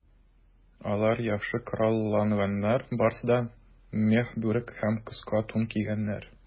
Алар яхшы коралланганнар, барысы да мех бүрек һәм кыска тун кигәннәр.